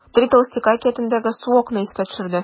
“три толстяка” әкиятендәге суокны искә төшерде.